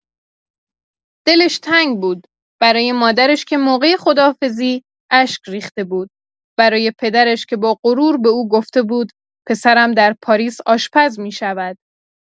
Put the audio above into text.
دلش تنگ بود، برای مادرش که موقع خداحافظی اشک ریخته بود، برای پدرش که با غرور به او گفته بود: پسرم در پاریس آشپز می‌شود.